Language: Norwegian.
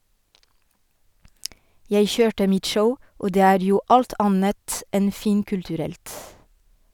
- Jeg kjørte mitt show, og det er jo alt annet enn finkulturelt.